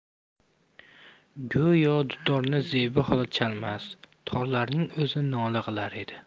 go'yo dutorni zebi xola chalmas torlarning o'zi nola qilar edi